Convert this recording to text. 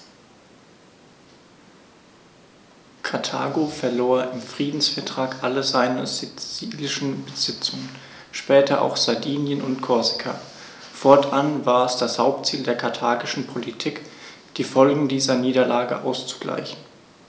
Karthago verlor im Friedensvertrag alle seine sizilischen Besitzungen (später auch Sardinien und Korsika); fortan war es das Hauptziel der karthagischen Politik, die Folgen dieser Niederlage auszugleichen.